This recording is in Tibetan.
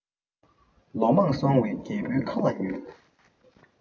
ལོ མང སོང བའི རྒད པོའི ཁ ལ ཉོན